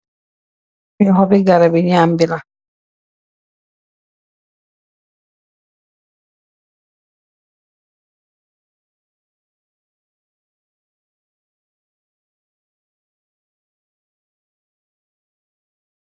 Lii hohbbi garabi njambi la.